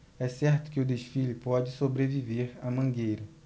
é certo que o desfile pode sobreviver à mangueira